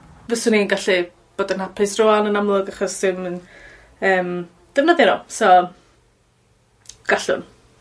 Fyswn i'n gallu bod yn hapus rŵan yn amlwg achos dwi 'im yn yym defnyddio n'w, so gallwn.